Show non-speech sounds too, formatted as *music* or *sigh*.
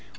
*smacks lips*